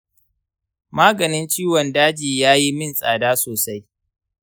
maganin ciwon daji ya yi min tsada sosai.